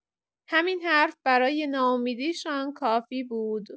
همین حرف برای ناامیدیشان کافی بود.